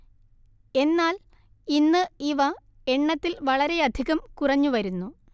എന്നാൽ ഇന്ന് ഇവ എണ്ണത്തിൽ വളരെയധികം കുറഞ്ഞു വരുന്നു